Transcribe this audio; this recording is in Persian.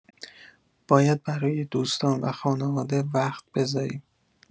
باید برای دوستان و خانواده وقت بذاریم.